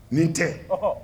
N'i tɛ ɔhɔ